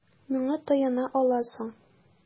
Миңа таяна аласың.